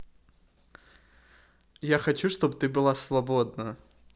я хочу чтобы ты была свободна